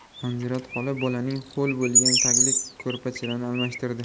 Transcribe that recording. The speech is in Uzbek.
anzirat xola bolaning ho'l bo'lgan taglik ko'rpachasini almashtirdi